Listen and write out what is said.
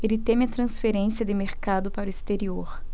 ele teme a transferência de mercado para o exterior